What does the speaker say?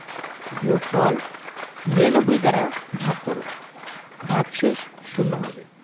বিয়োগফল ৯৯ দ্বারা ভাগ কর ভাগশেষ শূন্য হবে